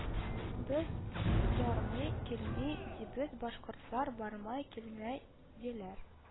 Без «бармый», «килми» дибез, башкортлар «бармай», «килмәй» диләр